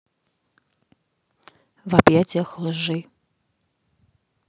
в объятиях лжи